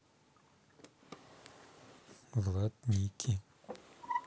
влад ники